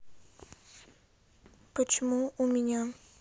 почему у меня